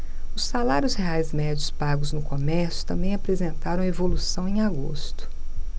os salários reais médios pagos no comércio também apresentaram evolução em agosto